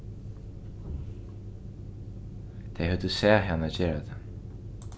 tey høvdu sæð hana gera tað